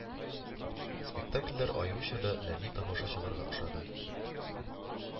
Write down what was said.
Спектакльләр аеруча да нәни тамашачларга ошады